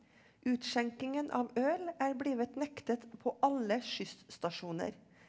utskjenkingen av øl er blitt nektet på alle skyss-stasjoner.